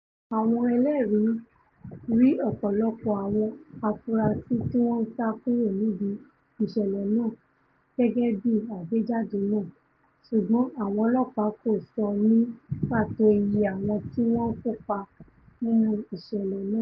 Àwọn ẹlẹ́ẹ̀rí rí ọ̀pọ̀lọpọ̀ àwọn afurasí tíwọn ńsá kúrò níbi ìṣẹ̀lẹ̀ náà, gẹ́gẹ́bí àgbéjadé náà, ṣùgbọ́n àwọn ọlọ́ọ̀pá kò sọní pàtó iye àwọn tíwọ́n kópa nínú ìṣẹ̀lẹ̀ náà.